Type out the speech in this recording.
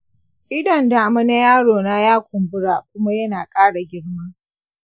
idon dama na yarona ya kumbura kuma yana ƙara girma.